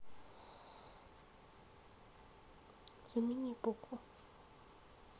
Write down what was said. замени букву